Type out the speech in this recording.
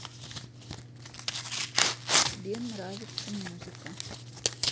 тебе нравится музыка